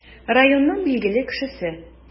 Районның билгеле кешесе.